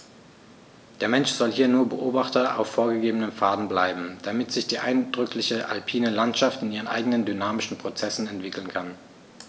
Der Mensch soll hier nur Beobachter auf vorgegebenen Pfaden bleiben, damit sich die eindrückliche alpine Landschaft in ihren eigenen dynamischen Prozessen entwickeln kann.